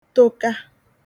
toka